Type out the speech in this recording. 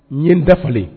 Ye n dafalen